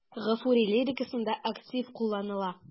Гафури лирикасында актив кулланыла.